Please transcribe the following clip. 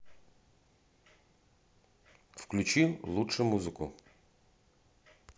включи лучше музыку